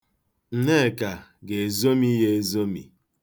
Nneka ga-ezomi ya ezomi.